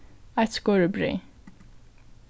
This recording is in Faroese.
eitt skorið breyð